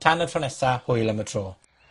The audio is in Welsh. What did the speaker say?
Tan y tro nesa, hwyl am y tro.